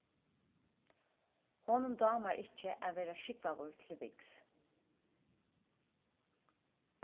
honum dámar ikki at verða skúgvaður til viks